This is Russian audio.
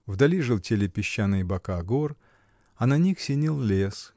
Вдали желтели песчаные бока гор, а на них синел лес